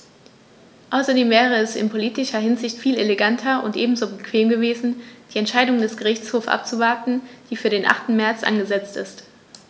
Außerdem wäre es in politischer Hinsicht viel eleganter und ebenso bequem gewesen, die Entscheidung des Gerichtshofs abzuwarten, die für den 8. März angesetzt ist.